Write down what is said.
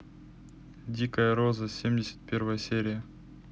дикая роза семьдесят первая серия